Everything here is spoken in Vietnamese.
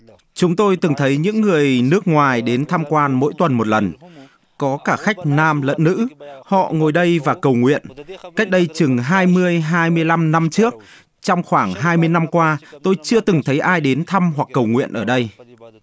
chúng tôi từng thấy những người nước ngoài đến tham quan mỗi tuần một lần có cả khách nam lẫn nữ họ ngồi đây và cầu nguyện cách đây chừng hai mươi hai mươi lăm năm trước trong khoảng hai mươi năm qua tôi chưa từng thấy ai đến thăm hoặc cầu nguyện ở đây